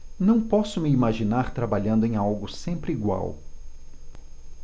não posso me imaginar trabalhando em algo sempre igual